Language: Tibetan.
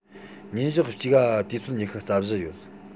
ཉིན ཞག གཅིག ག དུས ཚོད ཉི ཤུ རྩ བཞི ཡོད